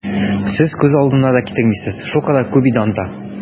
Сез күз алдына да китермисез, шулкадәр күп ул анда!